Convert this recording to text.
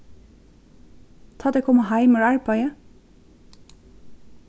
tá ið tey koma heim úr arbeiði